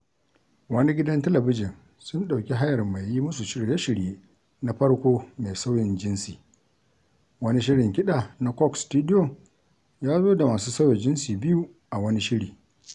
Wani gidan talabijin sun ɗauki hayar mai yi musu shirye-shirye na farko mai sauyin jinsi; wani shirin kiɗa na Coke Studio, ya zo da masu sauya jinsi biyu a wani shiri.